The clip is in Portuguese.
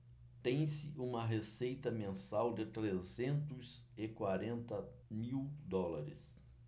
tem-se uma receita mensal de trezentos e quarenta mil dólares